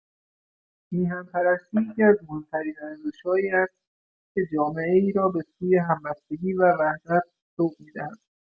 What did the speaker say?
میهن‌پرستی یکی‌از مهمترین ارزش‌هایی است که هر جامعه‌ای را به سوی همبستگی و وحدت سوق می‌دهد.